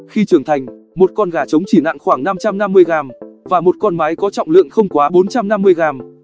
khi trưởng thành một con gà trống chỉ nặng khoảng gr và một con mái có trọng lượng không quá gr